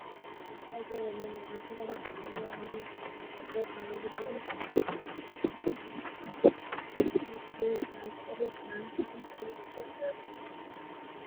Waa kawaanka hilinka lagu qalo